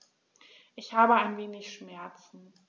Ich habe ein wenig Schmerzen.